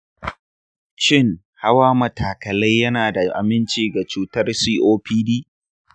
shin hawa matakalai yana da aminci da cutar copd?